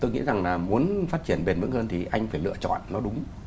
tôi nghĩ rằng là muốn phát triển bền vững hơn thì anh phải lựa chọn đúng